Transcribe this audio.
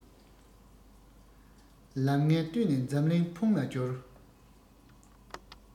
ལམ ངན བཏོད ནས འཛམ གླིང འཕུང ལ སྦྱོར